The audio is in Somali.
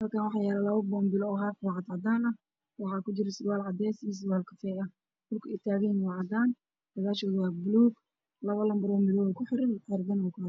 Halkaan waxaa yaalo labo boonbalo oo haaf ah oo cadaan ah waxaa kujiro surwaal cadeys ah iyo surwaal kafay ah dhulka ay taagan yihiin waa cadaan, gadaashooda waa buluug, labo lamboroo buluug ah ayaa kuxiran.